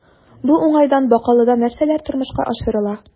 Бу уңайдан Бакалыда нәрсәләр тормышка ашырыла?